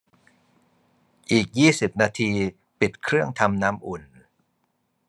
อีกยี่สิบนาทีปิดเครื่องทำน้ำอุ่น